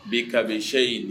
Bi kabi sɛyi